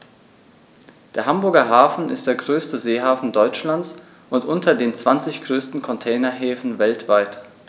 Der Hamburger Hafen ist der größte Seehafen Deutschlands und unter den zwanzig größten Containerhäfen weltweit.